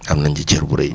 am nañ ci cër bu rëy